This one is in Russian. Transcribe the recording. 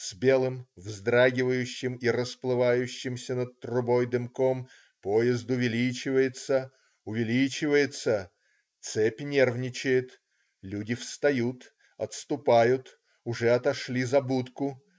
С белым, вздрагивающим и расплывающимся над трубой дымком поезд увеличивается, увеличивается. Цепь нервничает. Люди встают. Отступают. Уже отошли за будку.